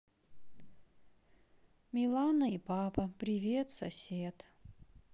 милана и папа привет сосед